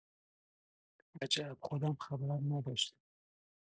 عجب خودم خبر نداشتم